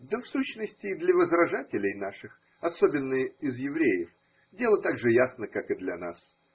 Да в сущности, и для возражателей наших, особенно из евреев, дело так же ясно, как и для нас.